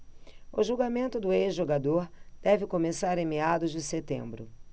o julgamento do ex-jogador deve começar em meados de setembro